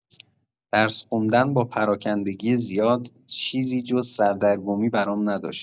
درس خوندن با پراکندگی زیاد، چیزی جز سردرگمی برام نداشت.